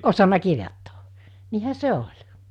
osannut kirjoittaa niinhän se oli